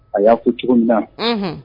A y'a fo cogo min na unhun